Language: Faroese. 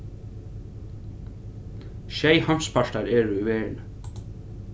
sjey heimspartar eru í verðini